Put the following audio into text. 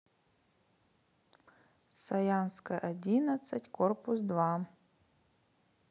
саянская одиннадцать корпус два